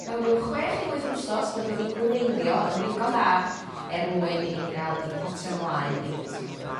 mewn ryw chwech i wyth wsos fod wedi gwreiddio yn ddigon da er mwyn i ni ga'l 'u potio n'w mlaen i botia' mwy.